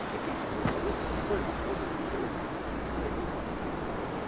Какие там разговоры, какое там может или должен, когда есть на лицо?